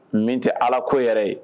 Min tɛ ala ko yɛrɛ ye